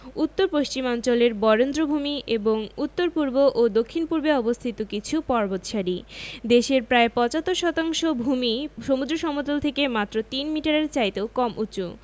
উত্তর পশ্চিমাঞ্চলের বরেন্দ্রভূমি এবং উত্তর পূর্ব ও দক্ষিণ পূর্বে অবস্থিত কিছু পর্বতসারি দেশের প্রায় ৭৫ শতাংশ ভূমিই সমুদ্র সমতল থেকে মাত্র তিন মিটারের চাইতেও কম উঁচু